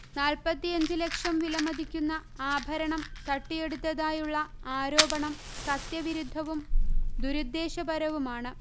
നാല്പ്പത്തിയഞ്ചു ലക്ഷം വില മതിക്കുന്ന ആഭരണം തട്ടിയെടുത്തതായുള്ള ആരോപണം സത്യ വിരുദ്ധവും ദുരുദ്ദേശപരവുമാണ്